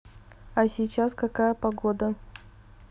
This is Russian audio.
а сейчас какая погода